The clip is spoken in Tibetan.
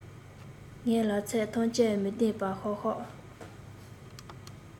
ངས ལབ ཚད ཐམས ཅད མི བདེན པ ཤག ཤག